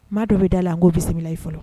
Maa dɔ bɛ da la n k'o bisimila i fɔlɔ